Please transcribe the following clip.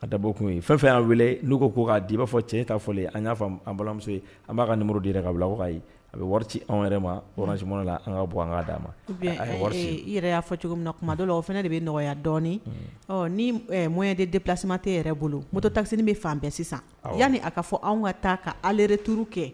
A da bɔ kun ye fɛn fɛn y'a wele n'u ko k'a di b'a fɔ cɛ' fɔ an y'a fɔ balimamuso ye an b'a ka muru de yɛrɛ k' bila a bɛ wari ci anw yɛrɛ ma wɔɔrɔnsi la an ka bɔ an ka d'a ma yɛrɛ y'a fɔ cogo min na kuma dɔw o fana de bɛ nɔgɔyaya dɔɔnin ni mɔ de plasima tɛ yɛrɛ bolo mɔtɔ tasɛ bɛ fan bɛɛ sisan yanani a ka fɔ anw ka taa kaale yɛrɛ tuuru kɛ